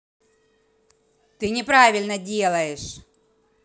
ты неправильно делаешь